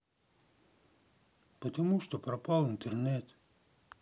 потому что пропал интернет